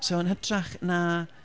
So yn hytrach na...